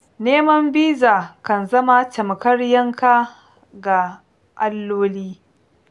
Neman biza kan zama tamkar yanka ga alloli.